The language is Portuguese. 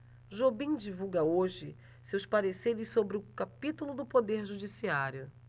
jobim divulga hoje seus pareceres sobre o capítulo do poder judiciário